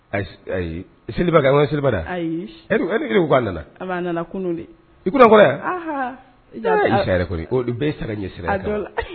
Ayi , a mana seliba de la? Ayi, e dun ko ko a nana, Ayi a nana kunu, kunu an kɔrɔ? Isa yɛrɛ kɔni, wa bin bɛ ye saya ɲɛ siranya ye